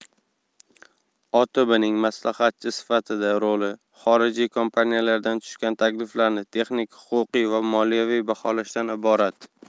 otbning maslahatchi sifatidagi roli xorijiy kompaniyalardan tushgan takliflarni texnik huquqiy va moliyaviy baholashdan iborat